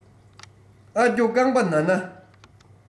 ཨ སྐྱོ རྐང པ ན ན